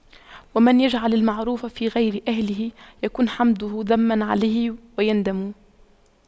ومن يجعل المعروف في غير أهله يكن حمده ذما عليه ويندم